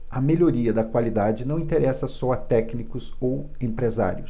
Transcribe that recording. a melhoria da qualidade não interessa só a técnicos ou empresários